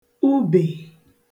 ubè